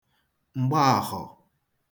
M̀gbọàhwọ̀